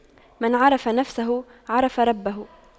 من عرف نفسه عرف ربه